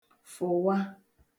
fụ̀wa